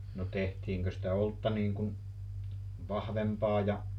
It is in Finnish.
no tehtiinkö sitä olutta niin kuin vahvempaa ja